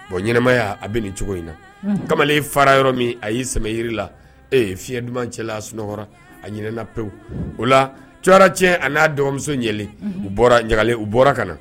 Bon ɲɛnaɛnɛmaya a bɛ cogo in na kamalen fara yɔrɔ min a y'i sɛyi la ee fiɲɛ duman cɛla sunɔgɔ a ɲɛnana pewu o la c cɛ ani n'a dɔgɔmuso ɲɛlen u bɔra ɲaga u bɔra ka na